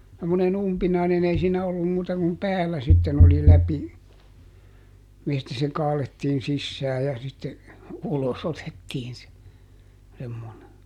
semmoinen umpinainen ei siinä ollut muuta kuin päällä sitten oli läpi mistä se kaadettiin sisään ja sitten ulos otettiin se semmoinen